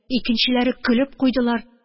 Икенчеләре көлеп куйдылар.